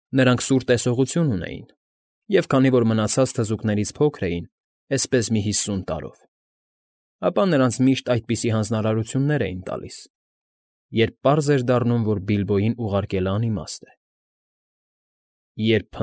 Նրանք սուր տեսողություն ունեին, և քանի որ մնացած թզուկներից փոքր էին էսպես մի հիսուն տարով, ապա նրանց միշտ այդպիսի հանձնարարություններ էին տալիս (երբ պարզ էր դառնում, որ Բիլբոյին ուղարկելն անիմաստ է)։ «Երբ։